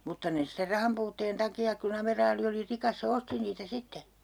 mutta ne sitten rahanpuutteen takia kun amiraali oli rikas se osti niitä sitten